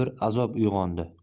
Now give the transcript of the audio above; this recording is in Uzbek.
yengil bir azob uyg'ondi